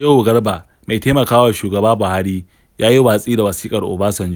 Shehu Garba, mai taimakawa shugaba Buhari, ya yi watsi da wasiƙar Obasanjo: